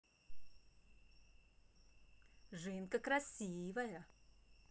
жинка красивая